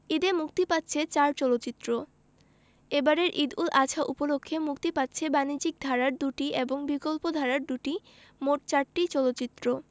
ঈদে মুক্তি পাচ্ছে চার চলচ্চিত্র এবারের ঈদ উল আযহা উপলক্ষে মুক্তি পাচ্ছে বাণিজ্যিক ধারার দুটি এবং বিকল্পধারার দুটি মোট চারটি চলচ্চিত্র